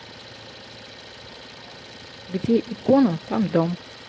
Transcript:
где икона там дом